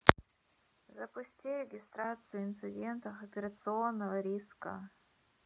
запусти регистрацию инцидентов операционного риска